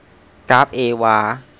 กราฟเอวา